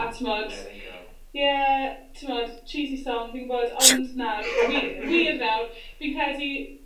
A t'mod... lert it go ...ie, t'mod cheesy song fi'n gwbod ond, na... ..wir, wir nawr fi'n credu